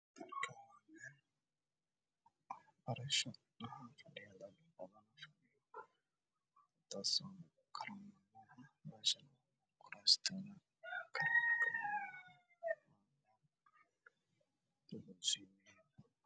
Meeshaan waxaa isku imaaday niman fara badan waxa ay ku fadhiyaan kuraas madow ah waxa ay wataan fanaanada shatiyo waana shir